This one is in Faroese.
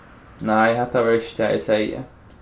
nei hatta var ikki tað eg segði